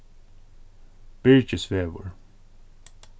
byrgisvegur